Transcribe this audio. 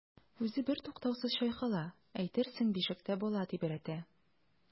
Үзе бертуктаусыз чайкала, әйтерсең бишектә бала тибрәтә.